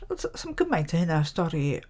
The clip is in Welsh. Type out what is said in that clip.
D- does dim cymaint â hynny o stori.